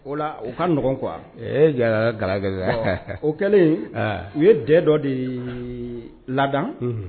O la u ka ɲɔgɔn qu ee ga ga o kɛlen u ye den dɔ de laada